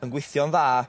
yn gweithio'n dda